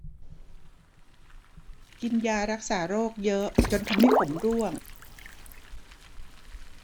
กินยารักษาโรคเยอะจนทำให้ผมร่วง